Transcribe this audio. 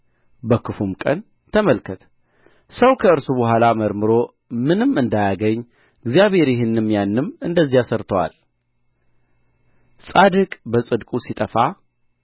በክፉም ቀን ተመልከት ሰው ከእርሱ በኋላ መርምሮ ምንም እንዳያገኝ እግዚአብሔር ይህንም ያንም እንደዚያ ሠርቶአል ጻድቅ በጽድቁ ሲጠፋ